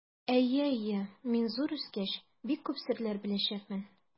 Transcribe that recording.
Әйе, әйе, мин, зур үскәч, бик күп серләр беләчәкмен.